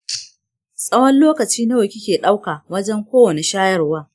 tsawon lokaci nawa kike dauka wajen kowani shayarwa?